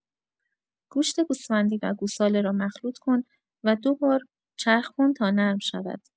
گوشت گوسفندی و گوساله را مخلوط‌کن و دو بار چرخ کن تا نرم شود.